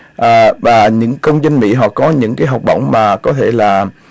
ờ à và những công dân mỹ họ có những cái học bổng mà có thể là